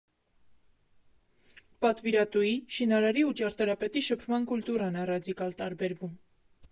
Պատվիրատուի, շինարարի ու ճարտարապետի շփման կուլտուրան ա ռադիկալ տարբերվում։